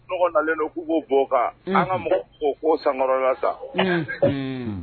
Dɔgɔ nalen don k'u b'o bɔ kan an ka o'o sankɔrɔla sa